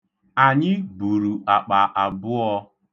Anyị buru akpa abụọ.